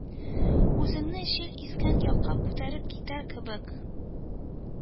Үзеңне җил искән якка күтәреп китәр кебек